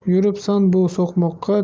yuribsan bu so'qmoqqa